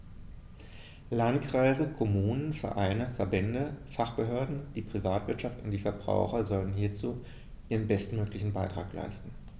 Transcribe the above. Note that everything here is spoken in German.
Landkreise, Kommunen, Vereine, Verbände, Fachbehörden, die Privatwirtschaft und die Verbraucher sollen hierzu ihren bestmöglichen Beitrag leisten.